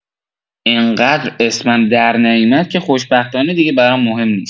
اینقدر اسمم درنیومد که خوشبختانه دیگه برام مهم نیست.